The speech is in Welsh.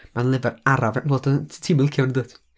Ma'n lyfr araf, a, wel do- ti'm yn licio fo na dwyt?